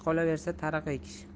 qolaversa tariq ekish